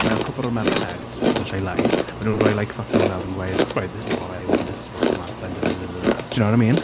Mae'r cwpl o'r merched which I like maen nhw'n rhoi like foot nhw lawr yn gweud "Right this is what I want this is what's going to happen dy dy dy dy dy". Do you know what I mean?